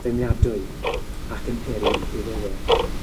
deimliadwy ac yn peri i chi feddwl.